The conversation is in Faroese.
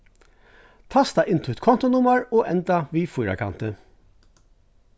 tasta inn títt kontunummar og enda við fýrakanti